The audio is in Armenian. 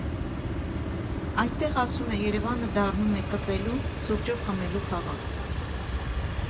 Այդտեղ, ասում է, Երևանը դառնում է «կծելու՝ սուրճով խմելու քաղաք»։